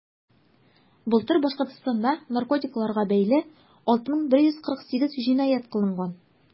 Былтыр Башкортстанда наркотикларга бәйле 6148 җинаять кылынган.